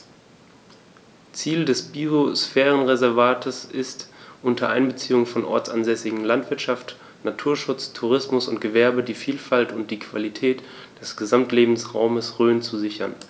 Ziel dieses Biosphärenreservates ist, unter Einbeziehung von ortsansässiger Landwirtschaft, Naturschutz, Tourismus und Gewerbe die Vielfalt und die Qualität des Gesamtlebensraumes Rhön zu sichern.